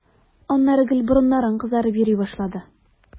Аннары гел борыннарың кызарып йөри башлады.